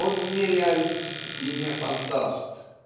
Он не реалист и не фантаст